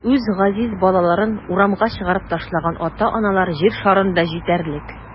Үз газиз балаларын урамга чыгарып ташлаган ата-аналар җир шарында җитәрлек.